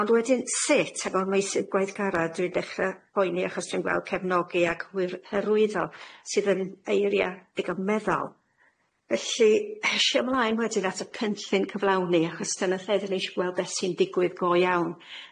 Ond wedyn sut ag o'r meysydd gwaithgara' dwi'n dechre poeni achos dwi'n gweld cefnogi ag hwyr- hyrwyddo sydd yn eiria' digon meddal felly heshi mlaen wedyn at y cynllun cyflawni achos dyna lle dyn ni isio gweld beth sy'n digwydd go iawn.